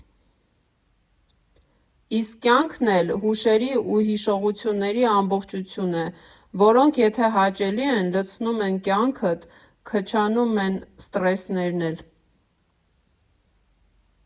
Իսկ կյանքն էլ հուշերի ու հիշողությունների ամբողջություն է, որոնք եթե հաճելի են լցնում են կյանքդ, քչանում են սթրեսներն էլ։